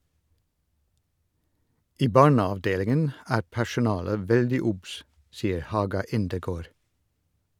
I barneavdelingen er personalet veldig obs, sier Haga Indergaard.